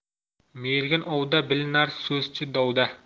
mergan ovda bilinar so'zchi dovda